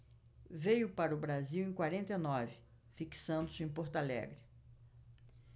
veio para o brasil em quarenta e nove fixando-se em porto alegre